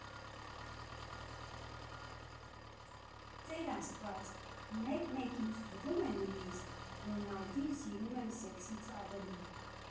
Տեր Աստված, մեկ֊մեկ ինձ թվում է նույնիսկ, որ նարդին սիրում եմ սեքսից ավելին։